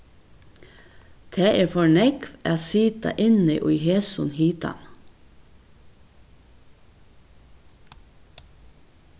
tað er for nógv at sita inni í hesum hitanum